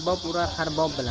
urar har bob bilan